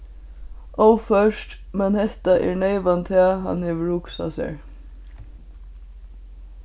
óført men hetta er neyvan tað hann hevur hugsað sær